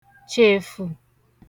chèfù